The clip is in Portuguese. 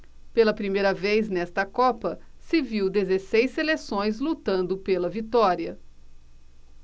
pela primeira vez nesta copa se viu dezesseis seleções lutando pela vitória